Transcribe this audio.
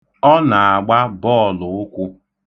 Ọ na-agba bọọlụụkwụ.